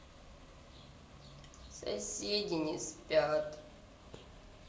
соседи не спят